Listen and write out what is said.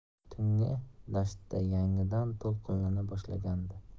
tungi dashtda yangidan to'lqinlana boshlagandi